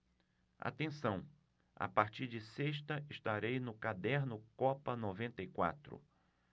atenção a partir de sexta estarei no caderno copa noventa e quatro